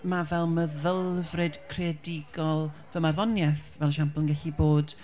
Ma' fel meddylfryd creadigol fy marddoniaeth, fel esiampl, yn gallu bod...